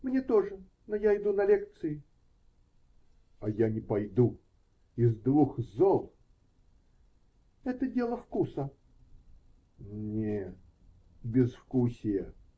-- Мне тоже, но я иду на лекции. -- А я не пойду. Из двух зол. -- Это дело вкуса. -- Ннне. безвкусия!